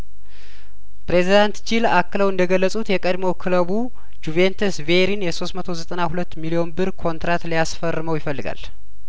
ፕሬዝዳንት ጂል አክለው እንደገለጹት የቀድሞ ክለቡ ጁቬንትስ ቪዬሪን የሶስት መቶ ዘጠና ሁለት ሚሊዮን ብር ኮንትራት ሊያስ ፈርመው ይፈልጋል